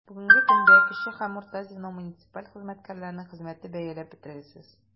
Бүгенге көндә кече һәм урта звено муниципаль хезмәткәрләренең хезмәте бәяләп бетергесез.